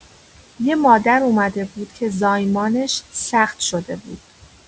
یه مادر اومده بود که زایمانش سخت شده بود.